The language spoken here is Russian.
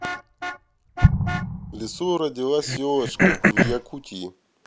лису родилась елочка в якутии